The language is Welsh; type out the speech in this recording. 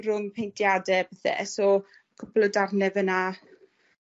rwng peintiade a pethe so cwpwl o darne fyn 'na.